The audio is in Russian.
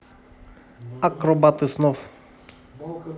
акробаты снов